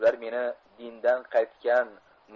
ular meni dindan qaytgan